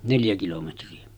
neljä kilometriä